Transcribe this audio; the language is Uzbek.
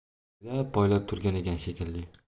ataylab poylab turgan ekan shekilli